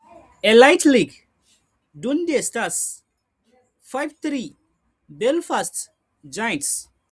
Elite League: Dundee Stars 5-3 Belfast Giants